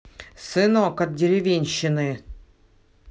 сынок от деревенщины